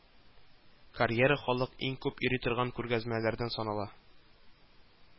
Карьера халык иң күп йөри торган күргәзмәләрдән санала